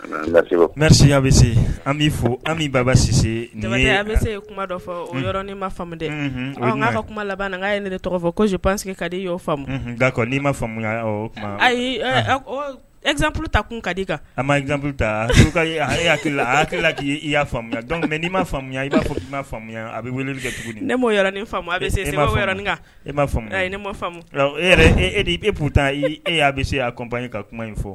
Bɛ se an bɛ fɔ an bɛ babasise an bɛ se kuma dɔ fɔ yɔrɔ ni ma faden' ka kuma laban n' ye ne tɔgɔ fɔ kosi pase k ka di yo faamumu'a' ma faamuyamu ayi ezanpta kun ka di i kan a map hakili a hakilila k'i i y'a faamuyamu dɔn ni m maa faamuyamu i b'a fɔ ia faamuyamu a bɛ wele kɛ dugu di ne ma ni fa a bɛ se nin e ma faamu ne mamu e e de eu e y'a bɛ se a koba ka kuma in fɔ